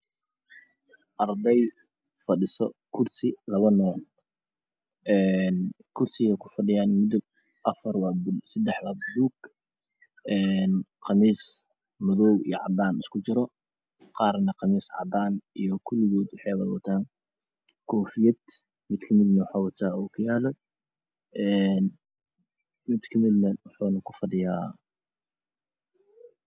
Halkan waxaa fadhiyo arday waxey kufadhan kuras obalug waxe xirayhin qamiis ho o cadan ah iyo madow